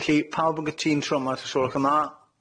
Felly, pawb yn gytûn tro 'ma, os gwelwch yn dda?